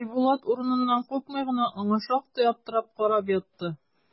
Айбулат, урыныннан купмый гына, аңа шактый аптырап карап ятты.